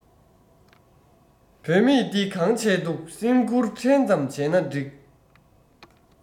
བུད མེད འདི གང བྱས འདུག སེམས ཁུར ཕྲན ཙམ བྱས ན སྒྲིག